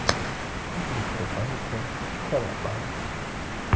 отдых рыбалка в харабали